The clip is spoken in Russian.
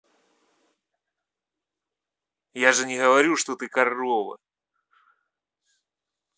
я же не говорю что ты корова